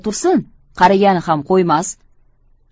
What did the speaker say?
tursin qaragani ham qo'ymas